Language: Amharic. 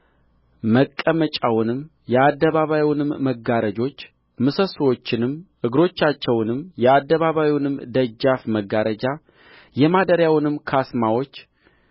መቀመጫውንም የአደባባዩን መጋረጆች ምሰሶቹንም እግሮቻቸውንም የአደባባዩንም ደጃፍ መጋረጃ የማደሪያውን ካስማዎች